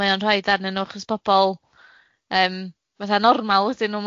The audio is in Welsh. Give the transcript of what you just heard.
mae o'n rhoid arnyn nw chos pobol yym fatha normal ydyn nw